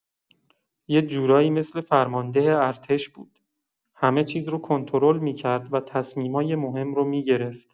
یه جورایی مثل فرمانده ارتش بود، همه چیز رو کنترل می‌کرد و تصمیمای مهم رو می‌گرفت.